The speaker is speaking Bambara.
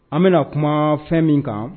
An bɛna kuma fɛn min kan